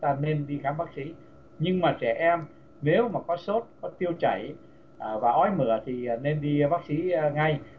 ta nên đi khám bác sĩ nhưng mà trẻ em nếu mà có sốt hoặc tiêu chảy và ói mửa thì nên đi bác sĩ ngay